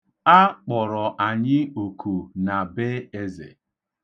A kpọrọ anyị oku na be eze.